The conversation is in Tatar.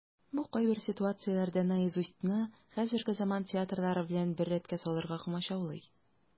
Бу кайбер ситуацияләрдә "Наизусть"ны хәзерге заман театрылары белән бер рәткә салырга комачаулый.